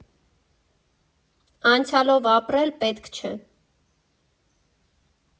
Անցյալով ապրել պետք չէ։